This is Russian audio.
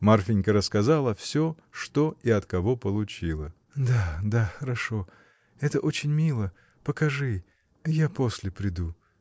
Марфинька рассказала всё, что и от кого получила. — Да, да — хорошо. это очень мило! покажи. Я после приду.